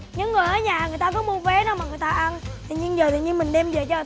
những người ở nhà người ta mua vé mà người ta ăn thế nhưng giờ thì như mình đem về cho